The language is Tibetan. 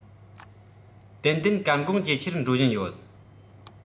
ཏན ཏན གལ འགངས ཇེ ཆེར འགྲོ བཞིན ཡོད